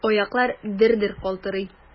Аяклар дер-дер калтырый.